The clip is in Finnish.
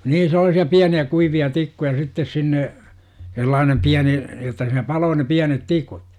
niin sellaisia pieniä kuivia tikkuja sitten sinne sellainen pieni jotta siinä paloi ne pienet tikut